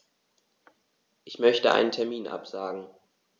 Ich möchte einen Termin absagen.